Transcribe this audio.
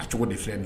A cogo di filɛ ye